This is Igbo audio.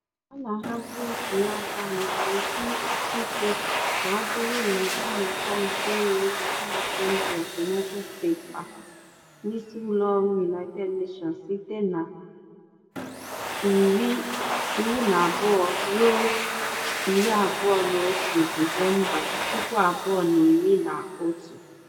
A na-ahazi ntuliaka maka ndị ọkaikpe ka ọ bụrụ na nnọkọ nke iri nke Assembly of United States Parties n'isi ụlọọrụ United Nations site na 12-21 Disemba, 2011.